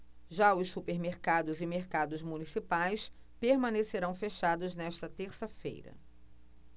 já os supermercados e mercados municipais permanecerão fechados nesta terça-feira